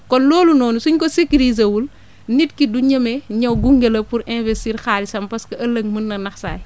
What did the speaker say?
kon loolu noonu suñ ko sécuriser wul nit ki du ñeme ñëw gunge la pour investir xaalisam parce que ëllëg mën na nax saay